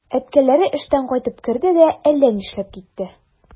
Әткәләре эштән кайтып керде дә әллә нишләп китте.